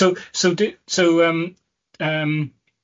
So so di- so yym yym.